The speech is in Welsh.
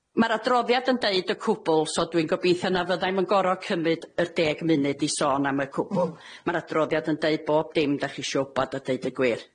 Ma'r adroddiad yn deud y cwbwl so dwi'n gobeithio na fyddai'm yn gor'o' cymyd yr deg munud i sôn am y cwbwl, ma'r adroddiad yn deud bob dim dach chi isio gwbod a deud y gwir.